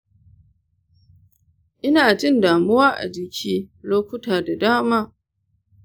ina jin damuwa a jiki lokuta da dama